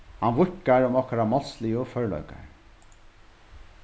hann víðkar um okkara málsligu førleikar